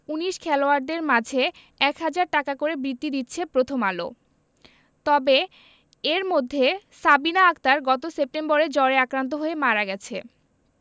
১৯ খেলোয়াড়কে মাঝে ১ হাজার টাকা করে বৃত্তি দিচ্ছে প্রথম আলো তবে এর মধ্যে সাবিনা আক্তার গত সেপ্টেম্বরে জ্বরে আক্রান্ত হয়ে মারা গেছে